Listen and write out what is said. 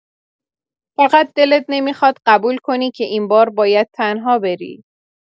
فقط دلت نمی‌خواد قبول کنی که این بار باید تنها بری.